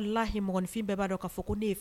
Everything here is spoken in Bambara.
' lahi mɔgɔninfin b'a k'a fɔ ne